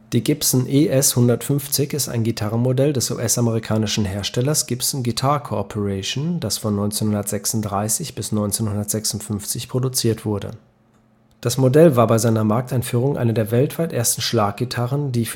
Die Gibson ES-150 ist ein Gitarrenmodell des US-amerikanischen Herstellers Gibson Guitar Corporation, das von 1936 bis 1956 produziert wurde. Das Modell war bei seiner Markteinführung eine der weltweit ersten Schlaggitarren, die